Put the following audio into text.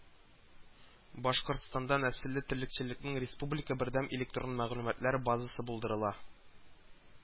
Башкортстанда нәселле терлекчелекнең республика бердәм электрон мәгълүматлар базасы булдырыла